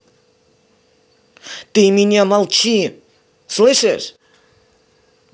ты меня молчи слышишь